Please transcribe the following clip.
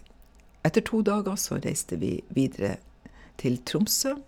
Etter to dager så reiste vi videre til Tromsø.